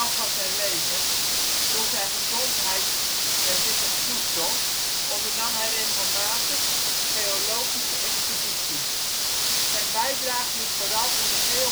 van zijn leven, toen zijn gezondheid hem dit nog toestond, ondernam hij regelmatig geologische expedities. Zijn bijdrage ligt vooral in de geomorfologie